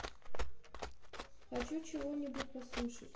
хочу чего нибудь послушать